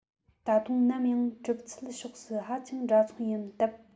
ད དུང ནམ ཡང གྲུབ ཚུལ ཕྱོགས སུ ཧ ཅང འདྲ མཚུངས ཡིན སྟབས